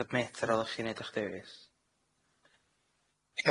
submit ar ôl i chi neud y'ch dewis.